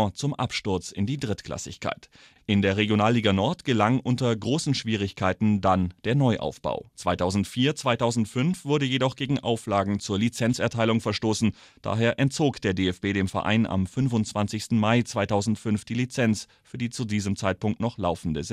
zum Absturz in die Drittklassigkeit. In der Regionalliga Nord gelang den Trainern Jos Luhukay und Claus-Dieter Wollitz unter großen Schwierigkeiten der Neuaufbau. 2004/2005 wurde jedoch gegen Auflagen zur Lizenzerteilung verstoßen. Daher entzog der DFB dem Verein am 25. Mai 2005 die Lizenz für die zu diesem Zeitpunkt noch laufende